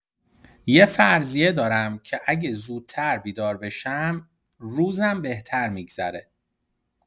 یه فرضیه دارم که اگه زودتر بیدار بشم، روزم بهتر می‌گذره.